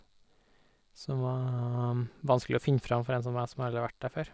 Som var vanskelig å finne fram for en som meg som aldri har vært der før.